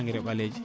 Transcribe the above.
engrais ɓalejo